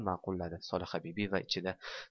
ma'qulladi solihabibi va ichida